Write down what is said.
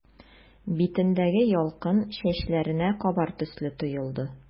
Битендәге ялкын чәчләренә кабар төсле тоелды.